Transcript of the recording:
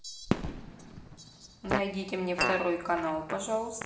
найдите мне второй канал пожалуйста